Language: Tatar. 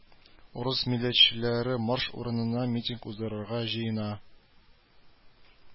Урыс милләтчеләре марш урынына митинг уздырырга җыена